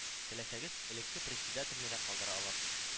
Теләсәгез элекке председательне дә калдыра аласыз